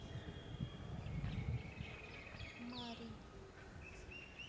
марий